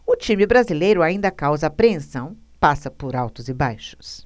o time brasileiro ainda causa apreensão passa por altos e baixos